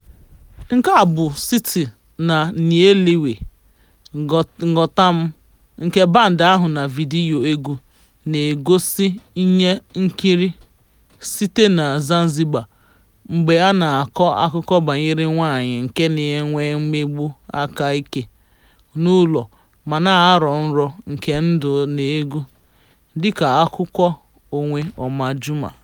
Nke a bụ Siti na "Nielewe" ("Ghọta M") nke Band ahụ na vidiyo egwu, na-egosi ihe nkiri sitere na Zanzibar mgbe ọ na-akọ akụkọ banyere nwaanyị nke na-enwe mmegbu aka ike n'ụlọ ma na-arọ nrọ nke ndụ na egwu, dịka akụkọ onwe Omar Juma: